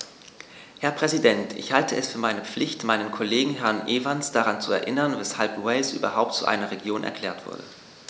Herr Präsident, ich halte es für meine Pflicht, meinen Kollegen Herrn Evans daran zu erinnern, weshalb Wales überhaupt zu einer Region erklärt wurde.